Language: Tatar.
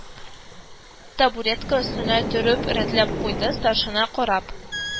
Табуретка өстенә төреп рәтләп куйды, старшина карап